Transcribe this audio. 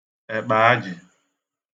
èkpà ajì